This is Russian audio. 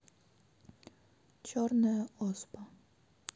черная оспа